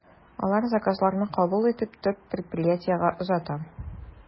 Алар заказларны кабул итеп, төп предприятиегә озата.